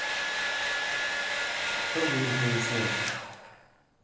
кто будет выяснять